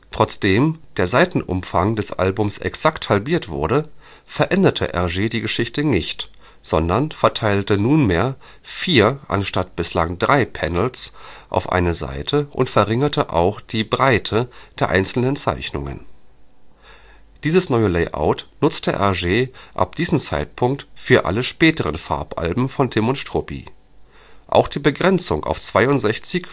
Trotzdem der Seitenumfang des Albums exakt halbiert wurde, veränderte Hergé die Geschichte nicht, sondern verteilte nunmehr vier anstatt bislang drei Panels auf eine Seite und verringerte auch die Breite der einzelnen Zeichnungen. Dieses neue Layout nutzte Hergé ab diesem Zeitpunkt für alle späteren Farbalben von Tim und Struppi. Auch die Begrenzung auf 62